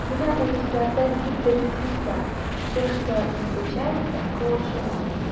Менә урысларда бик дөрес сүз бар: "все, что ни случается - к лучшему".